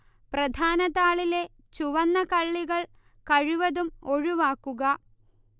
പ്രധാനതാളിലെ ചുവന്നകള്ളികൾ കഴിവതും ഒഴിവാക്കുക